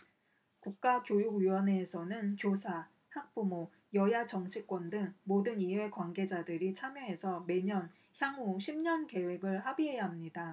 국가교육위원회에서는 교사 학부모 여야 정치권 등 모든 이해관계자들이 참여해서 매년 향후 십 년 계획을 합의해야 합니다